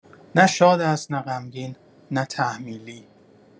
نه شاد است، نه غمگین، نه تحمیلی.